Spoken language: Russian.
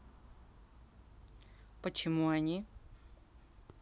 почему они